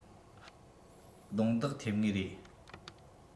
རྡུང རྡེག ཐེབས ངེས རེད